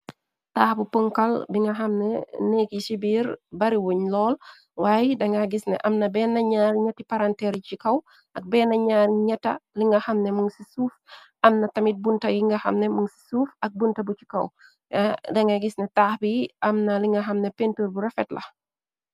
Taax bu punkal bi nga xamne neek yi ci biir bari wuñ lool. Waaye danga gis ne amna benn ñaar ñetti paranteer yi ci kaw. Ak benn ñaar ñeta li nga xamne mun ci suuf. Amna tamit bunta yi nga xamne mun ci suuf ak bunta bu ci kaw. Da nga gis ne taax b yi amna li nga xamne pintur bu refet la.